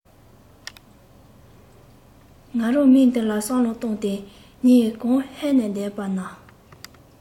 ང རང མིང འདི ལ བསམ བློ བཏང སྟེ ཉིན གང ཧད ནས བསྡད པ ན